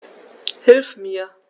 Hilf mir!